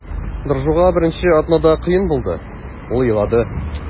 Доржуга беренче атналарда кыен булды, ул елады.